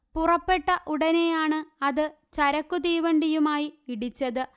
പുറപ്പെട്ട ഉടനെയാണ് അത് ചരക്കു തീവണ്ടിയുമായി ഇടിച്ചത്